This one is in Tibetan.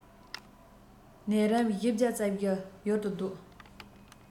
ནད རིམས བཞི བརྒྱ རྩ བཞི ཡུལ དུ བཟློག